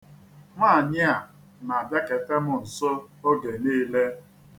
Nwaanyị a na-abịakete m nso oge niile.